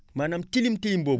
maanaam tilim tilim boobu